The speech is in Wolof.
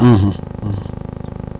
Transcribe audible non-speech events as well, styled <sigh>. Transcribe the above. <hesitation> <hesitation> <noise>